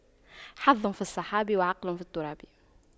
حظ في السحاب وعقل في التراب